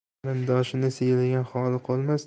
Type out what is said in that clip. qarindoshini siylagan xoli qolmas